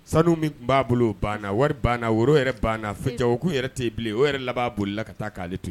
Sanu min tun b'a bolo o banna wari banna woro banna fɛn ja u' yɛrɛ tɛ bilen o yɛrɛ la b'a bolo la ka taa'ale tun